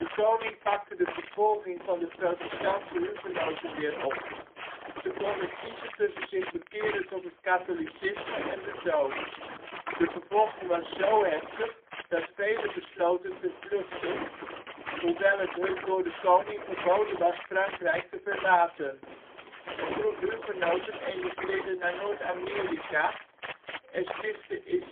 koning pakte de vervolging van de protestantse hugenoten weer op. Ze konden kiezen tussen zich bekeren tot het katholicisme en de dood. De vervolging was zo heftig dat velen besloten te vluchten, hoewel het hun door de koning verboden was Frankrijk te verlaten. Een groep hugenoten emigreerde naar Noord-Amerika en stichtte in